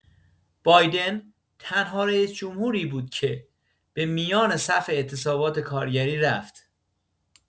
بایدن تنها رئیس‌جمهوری بود که به میان صف اعتصابات کارگری رفت.